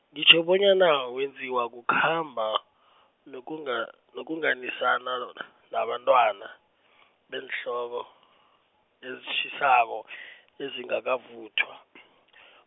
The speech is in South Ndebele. ngitjho bonyana wenziwa kukhamba, nokunga- nokunganisana n- nabantwana, beenhloko, ezitjhisako , ezingakavuthwa .